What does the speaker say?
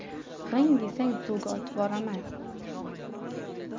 g'ing desang suvga otvoraman